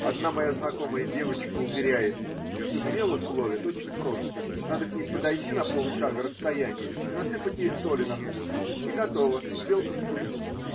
Одна моя знакомая девочка уверяет, что белок ловят очень просто: надо к ней подойти на полшага расстояния и насыпать ей соли на хвост, и готово – белка в плену.